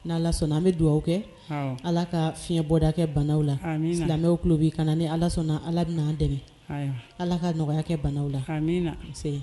Ni' ala sɔnna an bɛ dugawu kɛ ala ka fiɲɛɲɛbɔda kɛ bana la danbew kulo'i ka ni ala sɔnna ala bɛ anan dɛmɛ ala ka nɔgɔya kɛ bana la